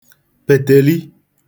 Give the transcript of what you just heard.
pètèli